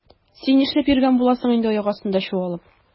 Син нишләп йөргән буласың инде аяк астында чуалып?